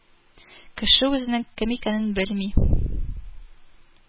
Кеше үзенең кем икәнен белми